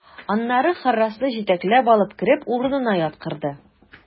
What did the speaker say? Аннары Харрасны җитәкләп алып кереп, урынына яткырды.